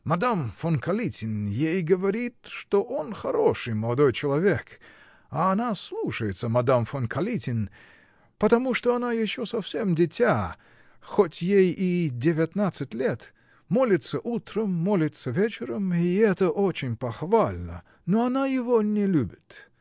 Мадам фон-Калитин ей говорит, что он хороший молодой человек, а она слушается мадам фон-Калитин, потому что она еще совсем дитя, хоть ей и девятнадцать лет: молится утром, молится вечером, -- и это очень похвально но она его не любит.